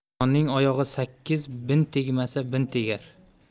yomonning oyog'i sakkiz bin tegmasa bin tegar